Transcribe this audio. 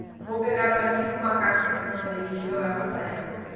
vou pegar umas cinco macacas do fernando henrique e jogar numa panela